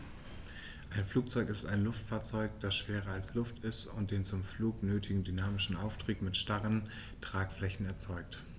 Ein Flugzeug ist ein Luftfahrzeug, das schwerer als Luft ist und den zum Flug nötigen dynamischen Auftrieb mit starren Tragflächen erzeugt.